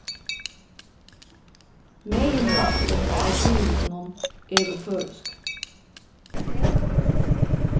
meginparturin av tíðindunum eru føroysk